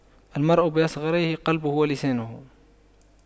المرء بأصغريه قلبه ولسانه